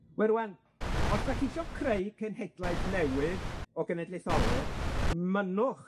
Wel rŵan, os 'dach chi isio creu cenhedlaeth newydd o genedlaetholwyr, mynnwch,